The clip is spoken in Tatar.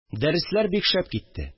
Дәресләр бик шәп китте